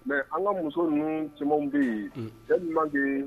Mɛ an ka muso ninnu caman bi cɛ ɲuman bi